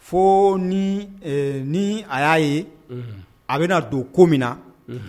Fo ni a y'a ye a bɛna na don ko min na